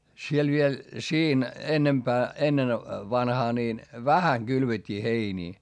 siellä vielä siinä enempää ennen vanhaan niin vähän kylvettiin heiniä